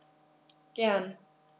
Gern.